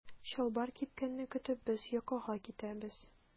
Чалбар кипкәнне көтеп без йокыга китәбез.